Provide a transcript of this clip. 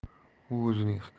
u o'zining hikoyasidan